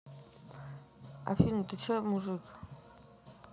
афина ты че мужик